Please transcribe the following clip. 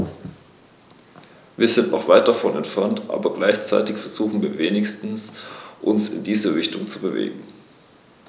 Wir sind noch weit davon entfernt, aber gleichzeitig versuchen wir wenigstens, uns in diese Richtung zu bewegen.